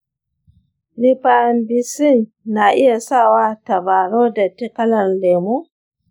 rifampicin na iya sawa tabarau datti kalar lemo.